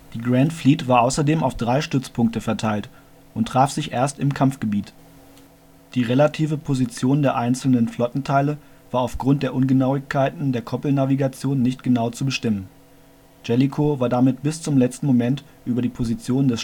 Grand Fleet war außerdem auf drei Stützpunkte verteilt und traf sich erst im Kampfgebiet. Die relative Position der einzelnen Flottenteile war auf Grund der Ungenauigkeiten der Koppelnavigation nicht genau zu bestimmen. Jellicoe war damit bis zum letzten Moment über die Position